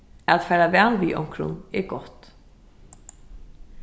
at fara væl við onkrum er gott